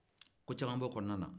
ko caman b'o kɔnɔna na